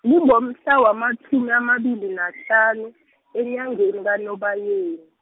lingomhla watjhumi amabili nahlanu , enyangeni kaNobayeni.